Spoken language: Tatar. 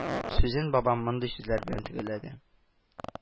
Сүзен бабам мондый сүзләр белән төгәлләде: